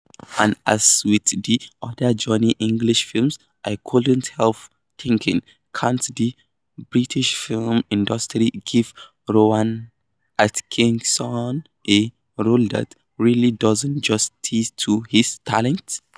And as with the other Johnny English films I couldn't help thinking: can't the British film industry give Rowan Atkinson a role that really does justice to his talent?